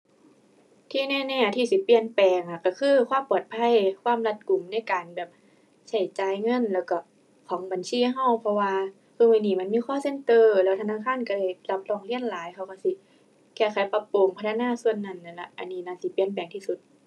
ที่แน่แน่ที่สิเปลี่ยนแปลงอะ ก็คือความปลอดภัย ความรัดกุมในการแบบ ใช้จ่ายเงิน แล้วก็ของบัญชีก็ เพราะว่าซุมื้อนี้มันมี call center แล้วธนาคารก็ได้รับร้องเรียนหลาย เขาก็สิแก้ไขปรับปรุง พัฒนาส่วนนั้นนั่นล่ะ อันนี้น่าสิเปลี่ยนแปลงที่สุด